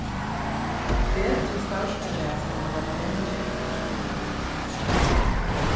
betri starvsfelaga skal mann leita leingi eftir